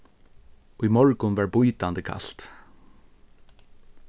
í morgun var bítandi kalt